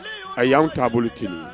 A y'an taabolo bolo t